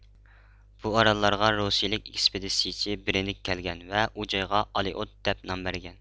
بۇ ئاراللارغا رۇسىيىلىك ئىكىسپىدىتچى برېنگ كەلگەن ۋە ئۇ جايغا ئالېئوت دەپ نام بەرگەن